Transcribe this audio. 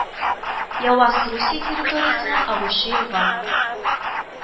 Явас Русия территориясеннән агучы елга